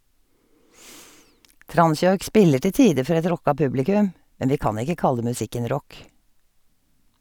Transjoik spiller til tider for et rocka publikum, men vi kan ikke kalle musikken rock.